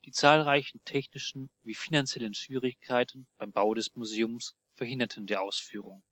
zahlreichen technischen wie finanziellen Schwierigkeiten beim Bau des Museums verhinderten die Ausführung